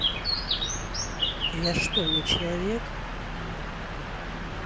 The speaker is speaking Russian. я что не человек